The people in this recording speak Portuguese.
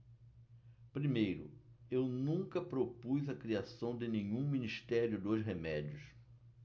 primeiro eu nunca propus a criação de nenhum ministério dos remédios